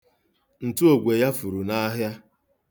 Ntụogwe ya furu n'ahịa.